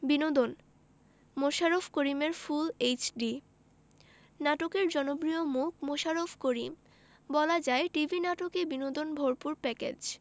বিনোদন মোশাররফ করিমের full HD নাটকের জনপ্রিয় মুখ মোশাররফ করিম বলা যায় টিভি নাটকে বিনোদনে ভরপুর প্যাকেজ